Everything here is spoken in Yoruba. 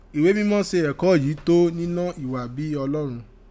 Iwé mímá se ẹ̀kọ yìí tó ninọ́ iwa bi Ọlọ́rọn